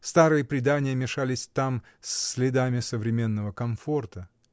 Старые предания мешались там с следами современного комфорта.